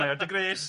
Mae o dy grys.